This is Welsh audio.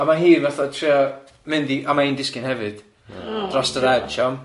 a ma' hi fatha trio mynd i- a ma' hi'n disgyn hefyd dros yr edge iawn.